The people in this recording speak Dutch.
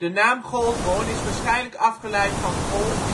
naam Goldhoorn is waarschijnlijk afgeleid van gold